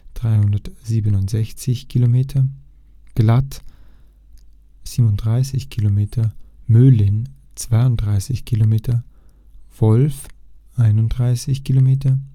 367 km) Glatt (37 km), Möhlin (32 km) Wolf (31 km